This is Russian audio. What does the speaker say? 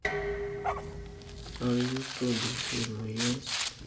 а в ютубе фильмы есть